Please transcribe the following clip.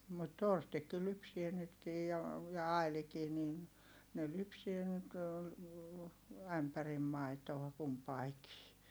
mutta Torstikin lypsää nytkin jo ja Ailikin niin ne lypsää nyt ämpärin maitoa kumpikin